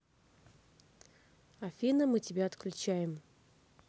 афина мы тебя отключаем